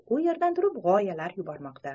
u yerdan turib g'oyalar yubormoqda